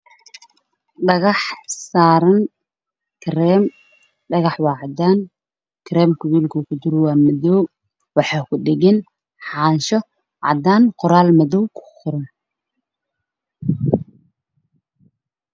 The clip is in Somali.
Waa dhagax saaran kareen dhagax cadaan y